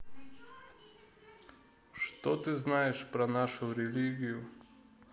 что ты знаешь про нашу религию